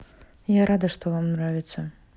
я рада что вам нравится